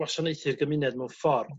gwasanaethu'r gymuned mewn ffor